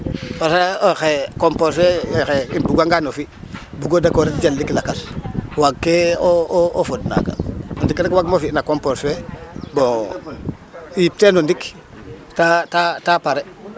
Parce que xaye compos fe xaye, um bugangaan o fi' bugo ret jalik lakas waagkee o fod naaga o ndik rek waagmo fi' no compos fe bon yip ten ndik te ta pare.